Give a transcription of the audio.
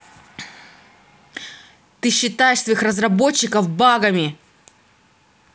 ты считаешь своих разработчиков багами